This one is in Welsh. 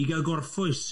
I gael gorffwys.